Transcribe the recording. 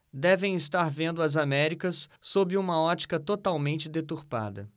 devem estar vendo as américas sob uma ótica totalmente deturpada